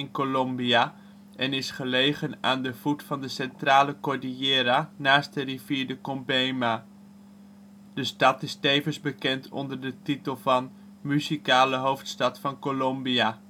Colombia) en is gelegen aan de voet van de Centrale Cordillera naast de rivier de Combeima. De stad is tevens bekend onder de titel van " muzikale hoofdstad van Colombia